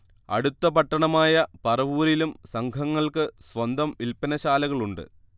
അടുത്ത പട്ടണമായ പറവൂരിലും സംഘങ്ങൾക്ക് സ്വന്തം വില്പനശാലകളുണ്ട്